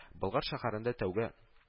Болгар шәһәрендә тәүге